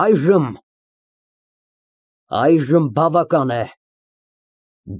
Այժմ… այժմ բավական է։